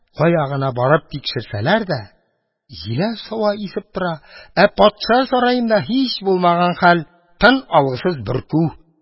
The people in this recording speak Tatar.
Кая гына барып тикшерсәләр дә, җиләс һава исеп тора, ә патша сараенда һич булмаган хәл: тын алгысыз бөркү.